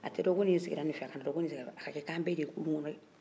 a tɛ dɔn ko nin sigira nin fɛ a tɛ dɔn ko nin sigira nin fɛ a ka kɛ ko an bɛɛ de kulu kelen ye